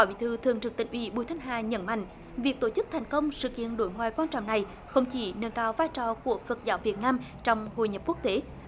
phó bí thư thường trực tỉnh ủy bùi thanh hà nhấn mạnh việc tổ chức thành công sự kiện đối ngoại quan trọng này không chỉ nâng cao vai trò của phật giáo việt nam trong hội nhập quốc tế